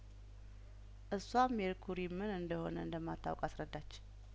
እሷም ሜርኩሪምን እንደሆነ እንደማ ታውቅ አስረዳች